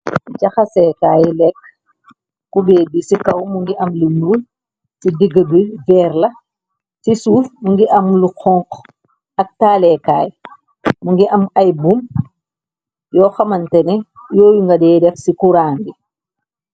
Jaxaseekaayi lekk kubée bi ci kaw mu ngi am li mul ci digga bi veer la ci suuf mu ngi am lu xonk ak taaleekaay mu ngi am ay buum yoo xamante ne yooyu nga dee dex ci kuraan bi.